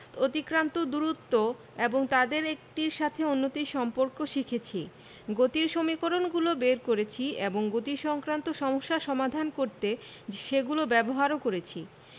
অতিক্রান্ত দূরত্ব এবং তাদের একটির সাথে অন্যটির সম্পর্ক শিখেছি গতির সমীকরণগুলো বের করেছি এবং গতিসংক্রান্ত সমস্যা সমাধান করতে সেগুলো ব্যবহারও করেছি